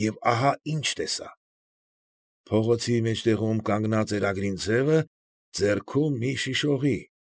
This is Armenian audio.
Եվ ահա ինչ տեսա. փողոցի մեջտեղում կանգնած էր Ագրինցևը, ձեռքում մի շիշ օղի։